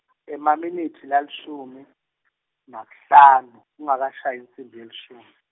Emaminitsi lalishumi, nesihlanu, kungekashayi insimbi yelishumi.